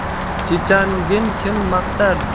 chechanhgin kim maqtar